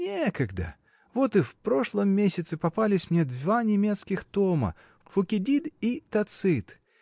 — Некогда: вот в прошлом месяце попались мне два немецких тома — Фукидид и Тацит.